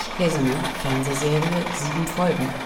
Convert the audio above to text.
Hizzonner (Fernsehserie, 7 Folgen